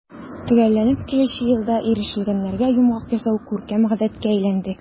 Төгәлләнеп килүче елны ирешелгәннәргә йомгак ясау күркәм гадәткә әйләнде.